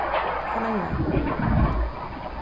kom innar